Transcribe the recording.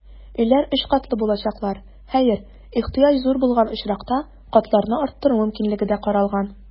Өйләр өч катлы булачаклар, хәер, ихтыяҗ зур булган очракта, катларны арттыру мөмкинлеге дә каралган.